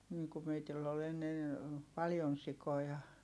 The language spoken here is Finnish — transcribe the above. niin kun meillä oli ennen paljon sikoja